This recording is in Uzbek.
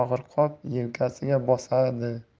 og'ir qop yelkasiga bosadi